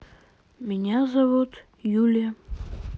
меня зовут юлия